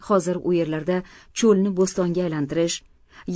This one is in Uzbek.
hozir u yerlarda cho'lni bo'stonga aylantirish